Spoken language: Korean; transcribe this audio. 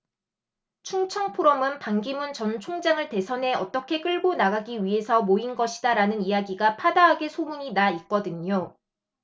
충청포럼은 반기문 전 총장을 대선에 어떻게 끌고 나가기 위해서 모인 것이다라는 이야기가 파다하게 소문이 나 있거든요